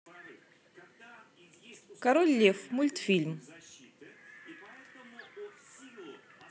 король лев мультфильм